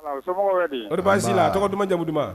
La a tɔgɔ duman jamumu duman ma